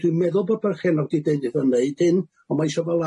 dwi'n meddwl bo' barchennog 'di deud iddo neud hyn ond ma' isio fo